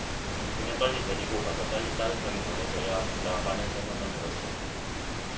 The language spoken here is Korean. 그냥 빨리 데리고 가서 빨리 따뜻하게 보내줘야겠다 하는 생각만 들었어요